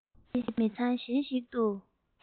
བྲལ ཏེ མི ཚང གཞན ཞིག ཏུ